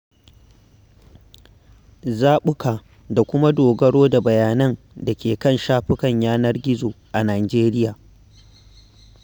Zaɓuka da kuma dogaro da bayanan da ke kan shafukan yanar gizo a Nijeriya.